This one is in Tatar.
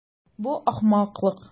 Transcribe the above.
Бу ахмаклык.